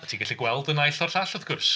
A ti'n gallu gweld y naill o'r llall wrth gwrs.